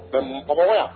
Bɛm Bamakɔ yan